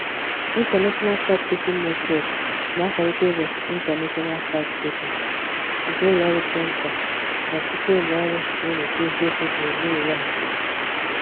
International Fact-Checking Network na-akwalite Ụbọchị International Fact-Checking, nke ụlọọrụ Poynter na ọtụtụ ụlọọrụ na-enyocha eziokwu gburugburu ụwa hiwere.